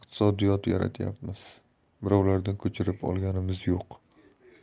iqtisodiyot yaratyapmiz birovlardan ko'chirib olganimiz yo'q